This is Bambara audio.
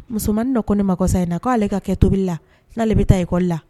Musomanmaninin nɔ ko ne makɔsa in na k'ale ale ka kɛ tobili la n'ale bɛ taa iɔrili la